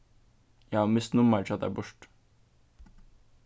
eg havi mist nummarið hjá tær burtur